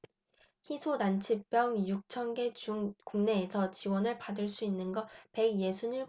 희소난치병 육 천 개 중 국내에서 지원을 받을 수 있는 건 백 예순 일곱 개뿐입니다